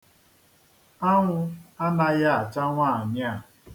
Anwụ anaghị acha nwaanyị a.